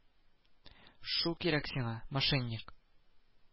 Шул кирәк сиңа, мошенник